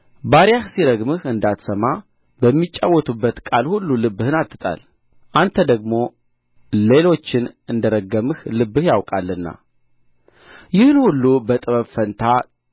ባሪያህ ሲረግምህ እንዳትሰማ በሚጫወቱበት ቃል ሁሉ ልብህን አትጣል አንተ ደግሞ ሌሎችን እንደ ረገምህ ልብህ ያውቃልና ይህን ሁሉ በጥበብ ፈተንሁ